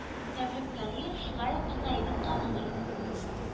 Тәбрис Галиев шулай ук үз гаебен танымый